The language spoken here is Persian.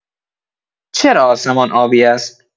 چرا آسمان آبی است؟